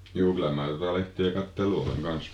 juu kyllä minä tuota lehteä katsellut olen kanssa